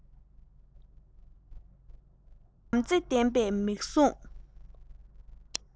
བྱམས བརྩེ ལྡན པའི མིག ཟུང